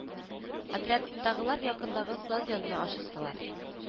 Отрядтагылар якындагы саз янына ашыктылар